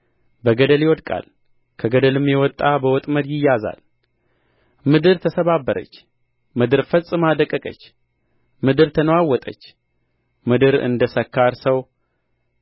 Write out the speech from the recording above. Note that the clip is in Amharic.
በገደል ይወድቃል ከገደልም የወጣ በወጥመድ ይያዛል ምድር ተሰባበረች ምድር ፈጽማ ደቀቀች ምድር ተነዋወጠች ምድር እንደ ሰካር ሰው